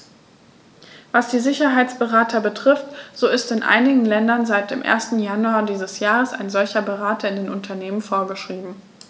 Was die Sicherheitsberater betrifft, so ist in einigen Ländern seit dem 1. Januar dieses Jahres ein solcher Berater in den Unternehmen vorgeschrieben.